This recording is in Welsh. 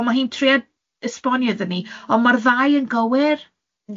Ond ma' hi'n trio esbonio iddyn ni, o ma'r ddau yn gywir.